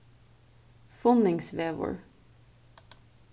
funningsvegur